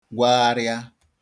gwagharịa